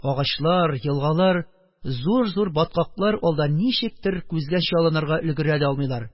Агачлар, елгалар, зур-зур баткаклар - алда, ничектер, күзгә чалынырга өлгерә алмыйлар,